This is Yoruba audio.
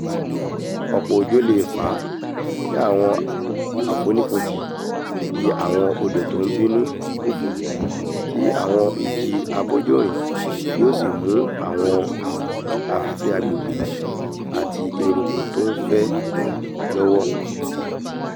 Ọ̀pọ̀ òjò leè fa kí àwọn àfonífojì di àwọn odò tó ńbínú fùfù tí àwọn ìjì abójòrìn yóò sì mú àwọn afẹ́fẹ́ agbègbè àti eruku tó ńf ẹ́ lọ́wọ́.